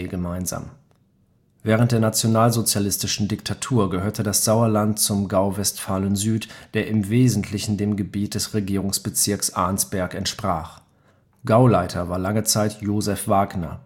gemeinsam. Während der nationalsozialistischen Diktatur gehörte das Sauerland zum Gau Westfalen-Süd, der im Wesentlichen dem Gebiet des Regierungsbezirks Arnsberg entsprach. Gauleiter war lange Zeit Josef Wagner